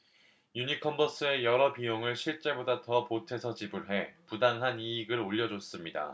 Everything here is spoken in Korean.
유니컨버스에 여러 비용을 실제보다 더 보태서 지불해 부당한 이익을 올려줬습니다